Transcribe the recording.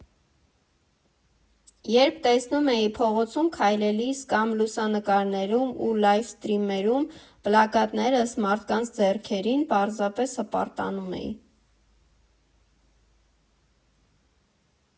Երբ տեսնում էի փողոցում քայլելիս, կամ լուսանկարներում ու լայվսթրիմերում պլակատներս մարդկանց ձեռքերին, պարզապես հպարտանում էի։